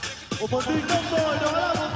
một phần